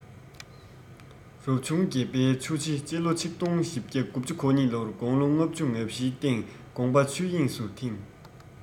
རབ བྱུང བརྒྱད པའི ཆུ བྱི ཕྱི ལོ ༡༤༩༢ ལོར དགུང ལོ ལྔ བཅུ ང བཞིའི སྟེང དགོངས པ ཆོས དབྱིངས སུ འཐིམས